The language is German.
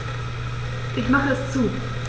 Ich mache es zu.